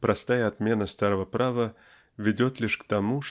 простая отмена старого права ведет лишь к тому